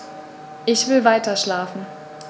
Ich will weiterschlafen.